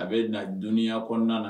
A bɛ na donniya kɔnɔna na